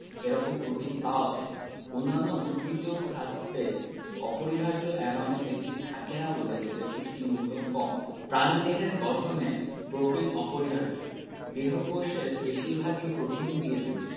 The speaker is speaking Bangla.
এরকম প্রোটিন পাওয়া যায় অন্যান্য উদ্ভিজ্জ খাদ্যে অপরিহার্য অ্যামাইনো এসিড থাকে না বলে এদের পুষ্টিমূল্য কম প্রাণীদেহের গঠনে প্রোটিন অপরিহার্য দেহকোষের বেশির ভাগই প্রোটিন দিয়ে তৈরি